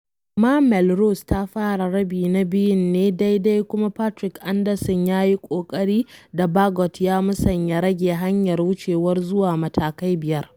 Amma Melrose ta fara rabi na biyun ne daidai kuma Patrick Anderson ya yi kokari, da Baggot ya musanya, rage hanyar wucewar zuwa matakai biyar.